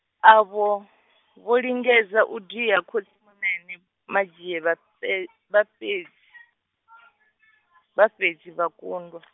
a vho, vho lingedza u dia khotsimunene Manzhie vhafhe-, vhafhedz-, vhafhedzi vha kundwa.